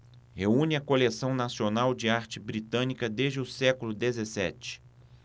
reúne a coleção nacional de arte britânica desde o século dezessete